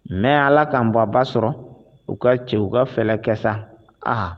Mɛ ala ka'an bɔba sɔrɔ u ka cɛw u ka fɛrɛ kɛ sa a